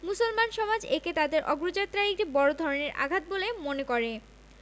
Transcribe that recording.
মুসলমান সমাজ একে তাদের অগ্রযাত্রায় একটি বড় ধরনের আঘাত বলে মনে করে